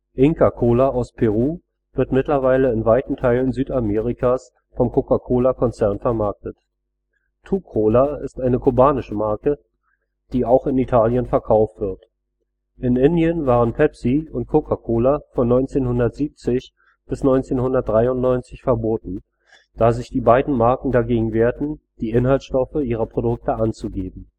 Inca Kola aus Peru wird mittlerweile in weiten Teilen Südamerikas vom Coca-Cola-Konzern vermarktet. Tukola ist eine kubanische Marke, die auch in Italien verkauft wird. In Indien waren Pepsi und Coca-Cola von 1970 bis 1993 verboten, da sich die beiden Marken dagegen wehrten, die Inhaltsstoffe ihrer Produkte anzugeben